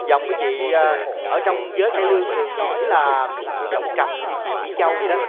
giọng của chị a ở trong giới cải lương thương nói là giọng trầm như chị mĩ châu vậy đó